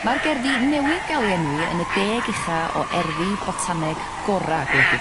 Mae'r gerddi newydd ga'l eu enwi yn y deg ucha o erddi botaneg gora' gwledydd